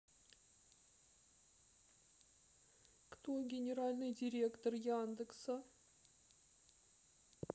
кто генеральный директор яндекса